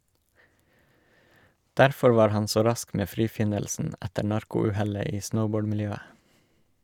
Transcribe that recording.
Derfor var han så rask med frifinnelsen etter narko-uhellet i snowboard-miljøet.